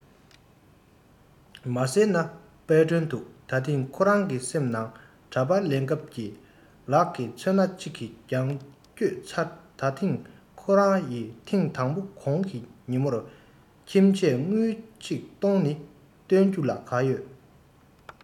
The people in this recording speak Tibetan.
མ ཟེར ན དཔལ སྒྲོན ཐུགས ད ཐེངས ཁོ རང གི སེམས ནང དྲ པར ལེན སྐབས ཀྱི ལག གི མཚོན ན གཅིག གི རྒྱང བསྐྱོད ཚར ད ཐེངས ཁོ ཡི ཐེངས དང པོ གོང གི ཉིན མོར ཁྱིམ ཆས དངུལ ཆིག སྟོང ནི སྟོན རྒྱུ ག ལ ཡོད